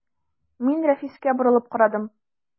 Мин Рафиска борылып карадым.